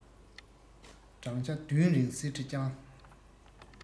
བགྲང བྱ བདུན རིང གསེར ཁྲི བསྐྱངས